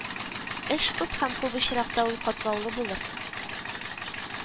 Эш күп һәм күп очракта ул катлаулы булыр